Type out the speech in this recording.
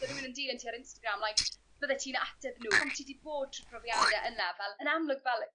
...sa rywun yn dilyn ti a'r Instagram like byddet ti'n ateb n'w pan ti 'di bod trw profiade yna fel yn amlwg fel